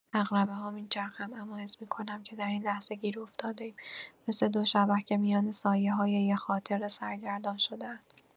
عقربه‌ها می‌چرخند، اما حس می‌کنم که در این لحظه گیر افتاده‌ایم، مثل دو شبح که میان سایه‌‌های یک خاطره سرگردان شده‌اند.